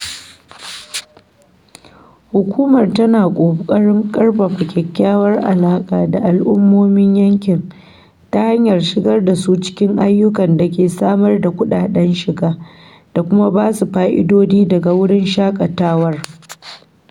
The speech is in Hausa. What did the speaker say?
Hukumar tana ƙoƙarin ƙarfafa kyakkyawar alaƙa da al’ummomin yankin ta hanyar shigar da su cikin ayyuka da ke samar da kuɗaɗen shiga da kuma ba su fa’idodi daga wurin shaƙatawar.